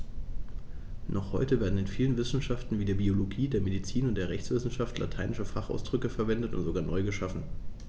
Noch heute werden in vielen Wissenschaften wie der Biologie, der Medizin und der Rechtswissenschaft lateinische Fachausdrücke verwendet und sogar neu geschaffen.